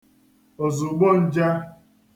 òzùgbon̄jē